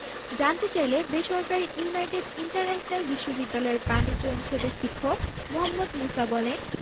জানতে চাইলে বেসরকারি ইউনাইটেড ইন্টারন্যাশনাল বিশ্ববিদ্যালয়ের বাণিজ্য অনুষদের শিক্ষক মোহাম্মদ মুসা বলেন